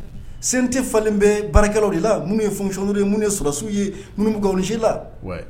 Sen tɛ falen bɛ baarakɛlaww de la minnu ye fconuru ye ye sɔrɔlasiw yesi la